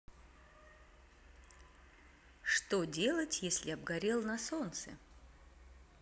что делать если обгорел на солнце